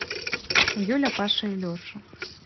юля паша и леша